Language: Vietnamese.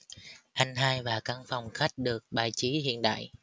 anh hai và căn phòng khách được bài trí hiện đại